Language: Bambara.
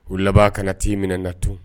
U laban kana'i minɛ na tun